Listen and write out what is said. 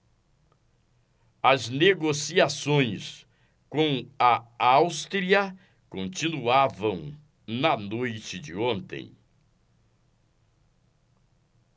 as negociações com a áustria continuavam na noite de ontem